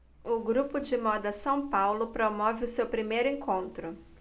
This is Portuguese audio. o grupo de moda são paulo promove o seu primeiro encontro